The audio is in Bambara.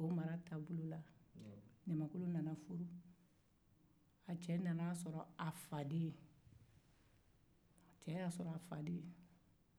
ɲamankolon nana furu a cɛ y'a sɔrɔ a fade ye